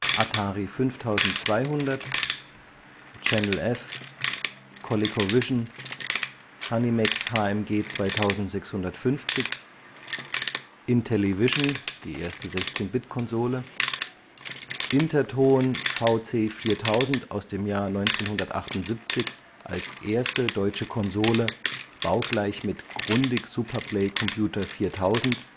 Atari 5200 Channel F (1976) ColecoVision Hanimex HMG 2650 Intellivision (die erste 16-Bit-Konsole) Interton VC4000 (1978, erste deutsche Konsole, baugleich mit Grundig Superplay Computer 4000